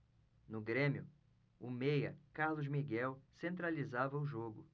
no grêmio o meia carlos miguel centralizava o jogo